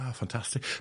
O, fantastic.